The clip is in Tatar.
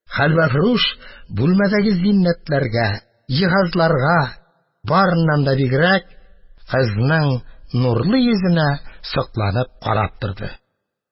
Хәлвәфрүш бүлмәдәге зиннәтләргә, җиһазларга, барыннан да бигрәк кызның нурлы йөзенә сокланып карап торды.